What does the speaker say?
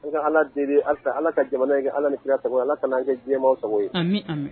N ka ala alasa ala ka jamana in ala nifinsa ala ka an kɛ diɲɛma sago ye